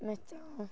Medal